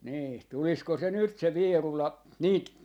niin tulisiko se nyt se Vierula niitä